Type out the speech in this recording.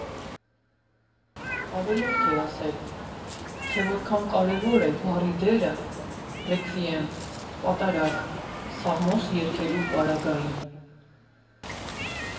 Ավելորդ է ասել, թե որքան կարևոր է բառի դերը՝ ռեքվիեմ, պատարագ, սաղմոս երգելու պարագային։